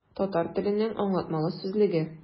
Татар теленең аңлатмалы сүзлеге.